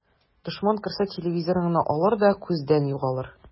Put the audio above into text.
Дошман керсә, телевизорыңны алыр да күздән югалыр.